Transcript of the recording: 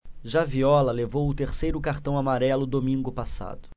já viola levou o terceiro cartão amarelo domingo passado